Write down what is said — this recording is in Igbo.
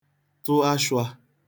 tụ ashụā